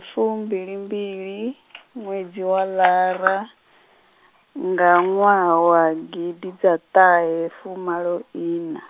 fumbilimbili, ṅwedzi wa lara, nga ṅwaha wa gidiḓaṱahefumaloiṋa.